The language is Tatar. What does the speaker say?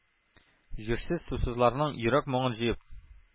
Җирсез-сусызларның йөрәк моңын җыеп